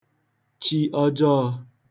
chi ọjọọ̄